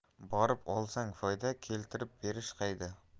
borib olsang foyda keltirib berish qayda